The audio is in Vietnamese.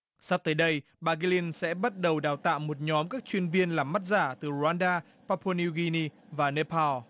sắp tới đây bà ghi lin sẽ bắt đầu đào tạo một nhóm các chuyên viên làm mắt giả từ ran đa pa pua niu ghi ni và nê po